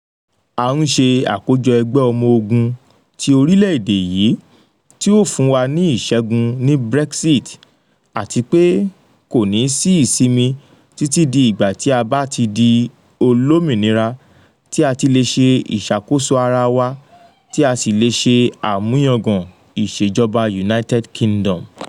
À ń ṣe àkójọ ẹgbẹ́ ọmọ ogun tí orílẹ̀-èdè yìí tí ó fún wa ní ìṣẹ́gun ní Brexit àti pé kò ní sí ìsimi títí di ìgbà tí a bá ti di olómìnira, tí a ti lè ṣe ìṣakóso ara wa, tí a sì lè sẹ àmúyangàn ìṣèjọba United Kingdom.'